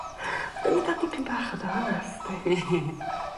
Der ni ga'l dipyn bach o dy hanas di.